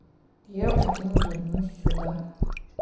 я потом вернусь сюда